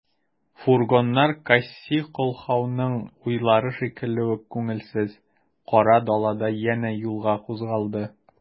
Фургоннар Кассий Колһаунның уйлары шикелле үк күңелсез, кара далада янә юлга кузгалды.